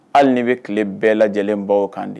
Hali ni bɛ tile bɛɛ lajɛlen ban o kan de.